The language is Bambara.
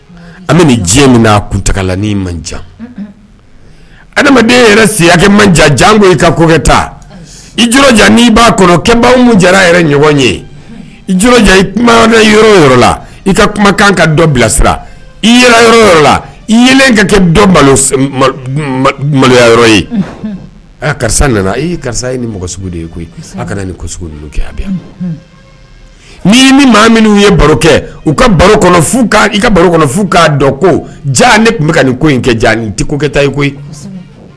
An bɛ diɲɛ min kuntala man adamaden si man jan ko i ka kokɛta ia ɲɔgɔn ye i i ka kumakan ka bilasira i i yelen ka kɛ maloya ye karisa nana i karisa ni mɔgɔ koyi kana kɛ n min maa minnu ye baro kɛ u ka baro ka ko ja ne tun bɛ ka nin ko in kɛ ja tɛ kota ye koyi